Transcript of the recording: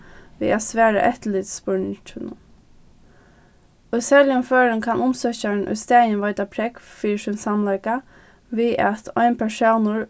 við at svara eftirlitsspurninginum í serligum førum kann umsøkjarin í staðin veita prógv fyri sín samleika við at ein persónur